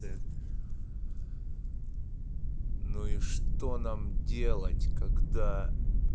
ну и что нам делать когда